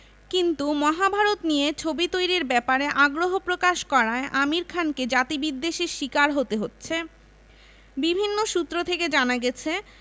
কিন্তু মহাভারত নিয়ে ছবি তৈরির ব্যাপারে আগ্রহ প্রকাশ করায় আমির খানকে জাতিবিদ্বেষের শিকার হতে হচ্ছে বিভিন্ন সূত্র থেকে জানা গেছে